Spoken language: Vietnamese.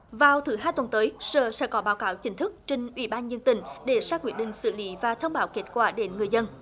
vào thứ hai tuần tới sở sẽ có báo cáo chính thức trình ủy ban nhân dân tỉnh để ra quyết định xử lý và thông báo kết quả đến người dân